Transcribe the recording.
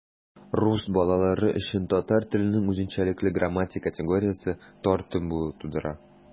Рус балалары өчен татар теленең үзенчәлекле грамматик категориясе - тартым булуы тудыра.